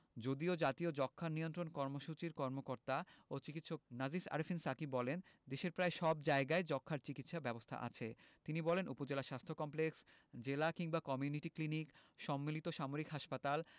যদিও জাতীয় যক্ষ্মা নিয়ন্ত্রণ কর্মসূচির কর্মকর্তা ও চিকিৎসক নাজিস আরেফিন সাকী বলেন দেশের প্রায় সব জায়গায় যক্ষ্মার চিকিৎসা ব্যবস্থা আছে তিনি বলেন উপজেলা স্বাস্থ্য কমপ্লেক্স জেলা কিংবা কমিউনিটি ক্লিনিক সম্মিলিত সামরিক হাসপাতাল